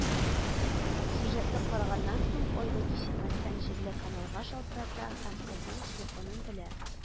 Сюжетны караганнан соң, Ольга кичекмәстән җирле каналга шалтырата һәм кызның телефонын белә